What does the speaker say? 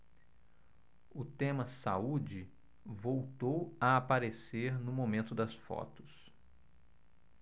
o tema saúde voltou a aparecer no momento das fotos